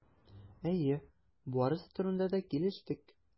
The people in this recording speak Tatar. Әйе, барысы турында да килештек.